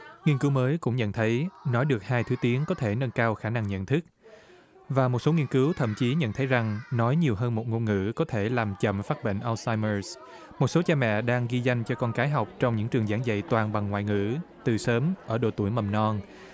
nghiên cứu mới cũng nhận thấy nói được hai thứ tiếng có thể nâng cao khả năng nhận thức và một số nghiên cứu thậm chí nhận thấy rằng nói nhiều hơn một ngôn ngữ có thể làm chậm phát bệnh ao sai mơ một số cha mẹ đang ghi danh cho con cái học trong những trường giảng dạy toàn bằng ngoại ngữ từ sớm ở độ tuổi mầm non